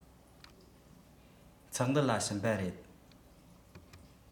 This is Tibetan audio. ཚོགས འདུ ལ ཕྱིན པ རེད